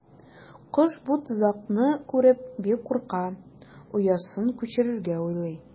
Кош бу тозакны күреп бик курка, оясын күчерергә уйлый.